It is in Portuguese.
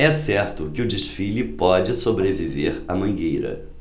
é certo que o desfile pode sobreviver à mangueira